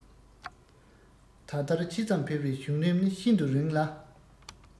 ད ལྟར ཇི ཙམ འཕེལ བའི བྱུང རིམ ནི ཤིན ཏུ རིང ལ